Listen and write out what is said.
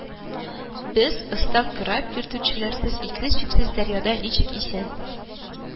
Без оста кораб йөртүчеләрсез иксез-чиксез дәрьяда ничек исән